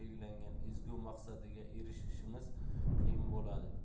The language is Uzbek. deb belgilangan ezgu maqsadiga erishishimiz qiyin bo'ladi